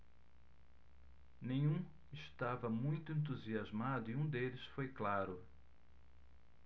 nenhum estava muito entusiasmado e um deles foi claro